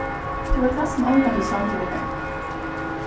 tú ert næstan ongantíð samdur við mær